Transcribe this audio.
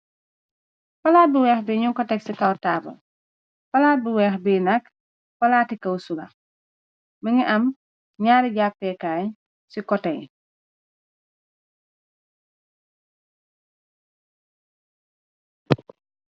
palaat bu weex bi ñu ko teg ci kawtaabal palaat bu weex bi nag palaati kaw sula mi ngi am gñaari jàppekaañ ci koté yi